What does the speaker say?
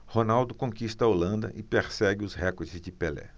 ronaldo conquista a holanda e persegue os recordes de pelé